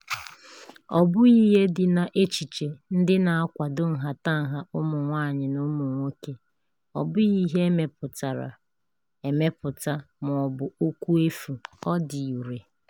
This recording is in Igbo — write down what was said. Ọ bụghị ihe dị n'echiche ndị na-akwado nhatanha ụmụ nwaanyị na ụmụ nwoke, ọ bụghị ihe e mepụtara emepụta ma ọ bụ okwu efu: Ọ DỊ IRE!